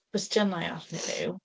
cwestiynau arnyn nhw .